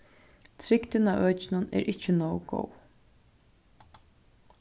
trygdin á økinum er ikki nóg góð